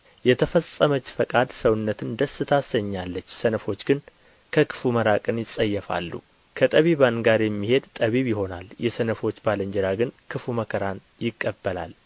የተፈጸመች ፈቃድ ሰውነትን ደስ ታሰኛለች ሰነፎች ግን ከክፉ መራቅን ይጸየፋሉ ከጠቢባን ጋር የሚሄዱ ጠቢብ ይሆናል የሰነፎች ባልንጀራ ግን ክፉ መከራን ይቀበላል